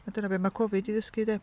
Wel dyna be mae Covid 'di ddysgu de?